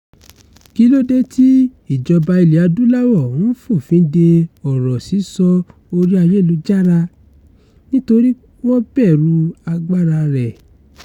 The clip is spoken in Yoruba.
Kí ló dé tí ìjọba Ilẹ̀-Adúláwọ̀ ń f'òfin de ọ̀rọ̀ sísọ orí-ayélujára? Nítorí wọ́n bẹ̀rù agbára rẹ̀.